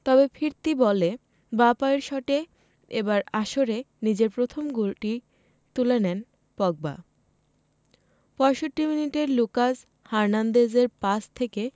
তবে ফিরতি বলে বাঁ পায়ের শটে এবারের আসরে নিজের প্রথম গোলটি তুলে নেন পগবা ৬৫ মিনিটে লুকাস হার্নান্দেজের পাস থেকে